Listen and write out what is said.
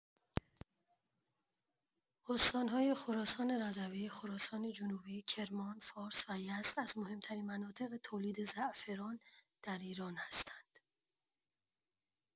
استان‌های خراسان رضوی، خراسان‌جنوبی، کرمان، فارس و یزد از مهم‌ترین مناطق تولید زعفران در ایران هستند.